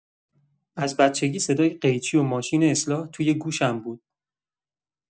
از بچگی صدای قیچی و ماشین اصلاح توی گوشم بود.